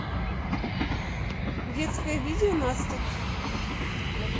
детское видео настя